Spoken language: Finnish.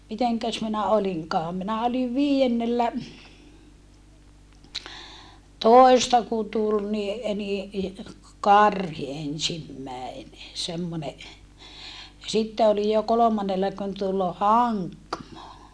mitenkäs minä olinkaan minä olin viidennellätoista kun tuli niin niin karhi ensimmäinen semmoinen ja sitten olin jo kolmannella kun tuli hankmo